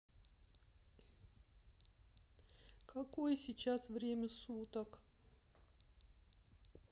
какое сейчас время суток